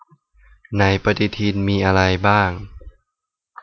ในปฎิทินมีอะไรบ้าง